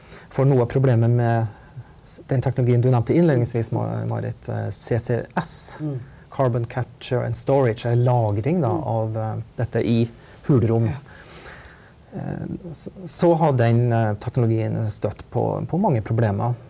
for noe av problemet med den teknologien du nevnte innledningsvis Marit CCS lagring da av dette i hulrom så har den teknologien støtt på på mange problemer.